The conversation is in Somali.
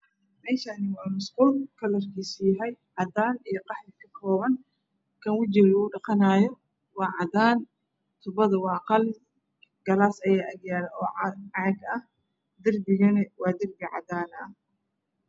Meshan wa musqul kalarkisuyahay cadan iyo qaxwi Kan wijigalagudhaqanay wacadan tubada waqalin galas aya Agyalo ocag ah derbigana waaderbicadan ah